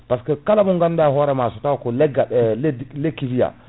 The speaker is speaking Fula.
par ce que kala mo ganduɗa hoorema so taw ko leggal e leddi lekki wiya